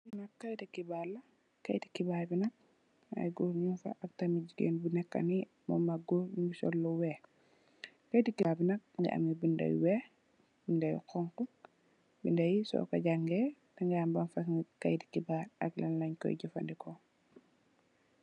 Li kayiti xibaar la, kayiti xibaar bi nak, ay góor ñuñg fa ak tam ay jigéen. Am na jigéen bu nekkë ni, ak goor, mu ngi sol lu weex, kayiti xibaar bi nak mu ngi. Binda yu weex, bindë yu xoñxu, bindë yi soo ko jangee, da ngaay xam luñ Koy defee ak luñ Koy jafëndeko.